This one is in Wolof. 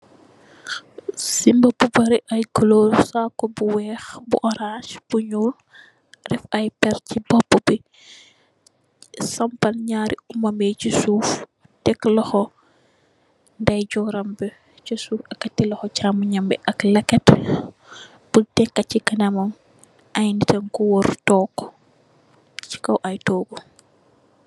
Zimbu bu bari aiiy couleur, saaku bu wekh, bu ohrance, bu njull, deff aiiy pehrre chi bopu bii, sampal njaari ohhmam yii cii suff, tek lokhor ndeyjorr ram bii cii suff, ehkati lokhor chaamongh njam bii, ak lehket bu nekah chi kanamam, aiiy nitt tankoh wohrre tok chi kaw aiiy tohgu.